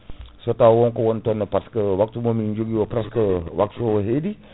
so taw wonko woni ton par ce que waptu momin jogui o presque waptu o heedi